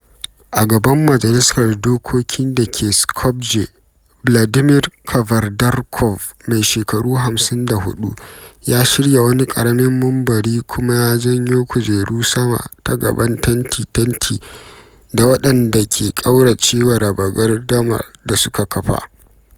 A gaban majalisar dokoki da ke cikin Skopje, Vladimir Kavardarkov, mai shekaru 54, ya shirya wani ƙaramin munbari kuma ya janyo kujeru sama ta gaban tanti-tanti da waɗanda ke ƙaurace wa raba gardamar suka kafa.